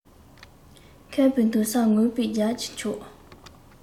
མཁས པའི མདུན སར ངོམས པའི རྒྱན གྱི མཆོག